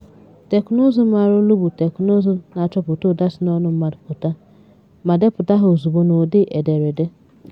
Teknụzụ mmara olu bụ teknụzụ na-achọpụta ụda si n'ọnụ mmadụ pụta ma deputa há ozugbo n'ụdị ederede.